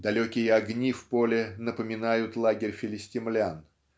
Далекие огни в поле напоминают лагерь филистимлян